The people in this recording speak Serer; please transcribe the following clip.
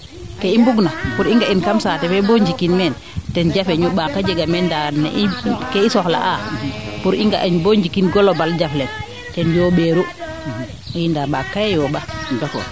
kee i mbung na pour i nga'in kam saate fee boo njikin meen ten jafe ñu ɓaak a jega meen ndaa ne'im kee i soxla aa pour i nga in boo njikin globale jaf leŋ ten yoombeeru i ndaa ɓaak kay a yoomba